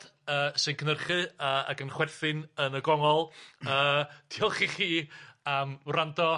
...yy sy'n cynhyrchu a ag yn chwerthin yn y gongol yy diolch i chi am wrando.